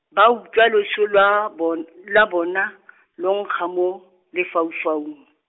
ba utswa loso lwa bon-, la bona , lo nkga mo, lefaufaung.